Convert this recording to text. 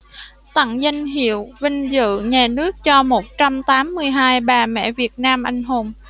tặng danh hiệu vinh dự nhà nước cho một trăm tám mươi hai bà mẹ việt nam anh hùng